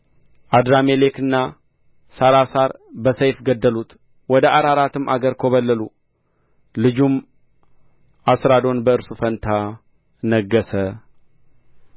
አድራሜሌክና ሳራሳር በሰይፍ ገደሉት ወደ አራራትም አገር ኰበለሉ ልጁም አስራዶን በእርሱ ፋንታ ነገሠ